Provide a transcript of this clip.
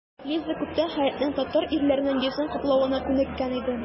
Лиза күптәннән Хәятның татар ирләреннән йөзен каплавына күнеккән иде.